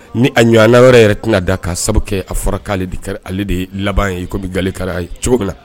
Ni a ɲ ɲɔgɔn na yɛrɛ yɛrɛ tɛna da ka sababu kɛ a fɔra k'ale ale de ye laban ye tun bɛ kari ye cogo kɔnɔ na